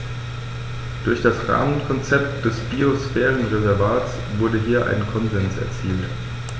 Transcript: Durch das Rahmenkonzept des Biosphärenreservates wurde hier ein Konsens erzielt.